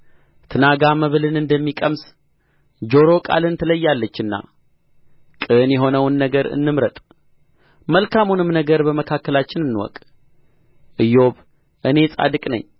ትናጋ መብልን እንደሚቀምስ ጆሮ ቃልን ትለያለችና ቅን የሆነውን ነገር እንምረጥ መልካሙንም ነገር በመካከላችን እንወቅ ኢዮብ እኔ ጻድቅ ነኝ